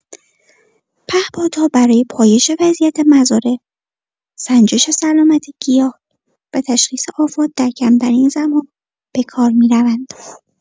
پهپادها برای پایش وضعیت مزارع، سنجش سلامت گیاه و تشخیص آفات در کمترین زمان به کار می‌روند.